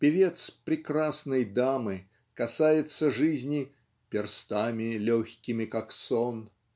Певец Прекрасной Дамы касается жизни "перстами легкими как сон"